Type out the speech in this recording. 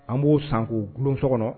An b'o san k' bulonlon so kɔnɔ